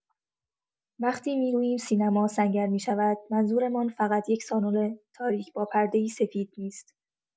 وقتی می‌گوییم سینما سنگر می‌شود، منظورمان فقط یک سالن تاریک با پرده‌ای سفید نیست.